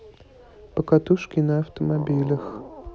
покатушки на автомобилях